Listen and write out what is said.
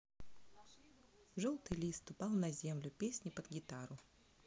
желтый лист упал на землю песню под гитару